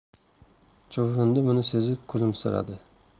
chuvrindi buni sezib kulimsiradi